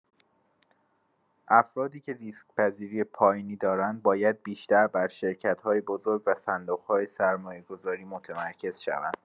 افرادی که ریسک‌پذیری پایینی دارند باید بیشتر بر شرکت‌های بزرگ و صندوق‌های سرمایه‌گذاری متمرکز شوند.